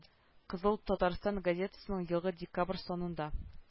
Кызыл татарстан газетасының елгы декабрь санында